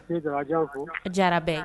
Jarabɛ